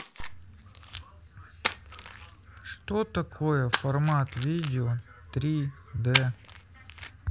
что такое формат видео три д